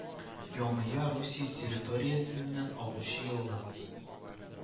Яныя Русия территориясеннән агучы елга